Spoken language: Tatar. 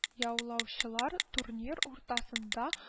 Яулаучылар, турнир уртасында